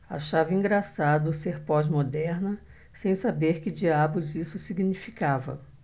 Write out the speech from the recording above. achava engraçado ser pós-moderna sem saber que diabos isso significava